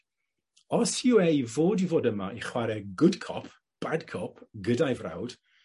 os yw ei i fod i fod yma i chware good cop bad cop gyda'i frawd,